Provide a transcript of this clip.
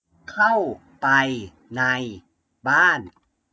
เข้าไปในบ้าน